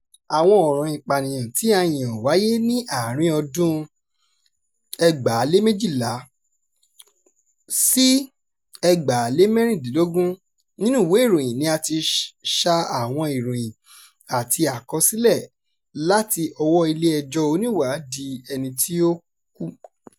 Àwọn ọ̀ràn ìpànìyàn tí a yàn wáyé ní àárín-in ọdún-un 2012 to 2016. Nínú ìwé ìròyìn ni a ti ṣa àwọn ìròyìn àti àkọsílẹ̀ láti ọwọ́ọ ilé ẹjọ́ Oníwàádìí-ẹni-tí-ó-kú.